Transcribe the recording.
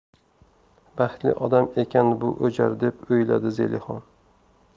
baxtli odam ekan bu o'jar deb o'yladi zelixon